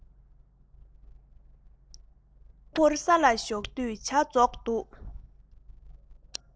ཤིང ཕོར ས ལ བཞག དུས ཇ རྫོགས འདུག